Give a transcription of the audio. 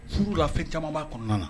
Furu la fɛn caman kɔnɔna na